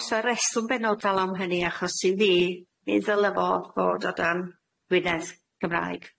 O's a reswm benodol am hynny achos i fi mi ddyla fo fod o dan Gwynedd Gymraeg.